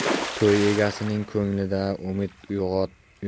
to'y egasining ko'nglida umid